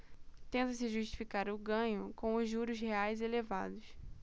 tenta-se justificar o ganho com os juros reais elevados